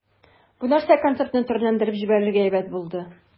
Бу нәрсә концертны төрләндереп җибәрергә әйбәт булды.